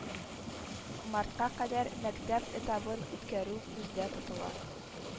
Мартка кадәр мәктәп этабын үткәрү күздә тотыла